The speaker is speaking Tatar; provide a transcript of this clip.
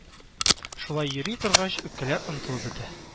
Шулай йөри торгач үпкәләр онытылып бетә.